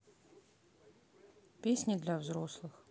песни для взрослых